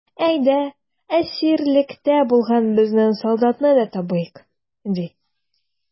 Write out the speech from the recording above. Әйдә, әсирлектә булган безнең солдатны да табыйк, ди.